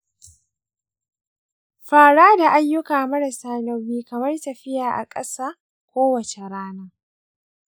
fara da ayyuka marasa nauyi kamar tafiya a ƙasa kowace rana.